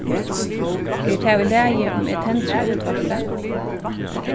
er tað í lagi um eg tendri útvarpið